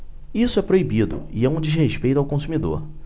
isso é proibido e é um desrespeito ao consumidor